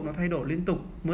tiến độ thay đổi liên tục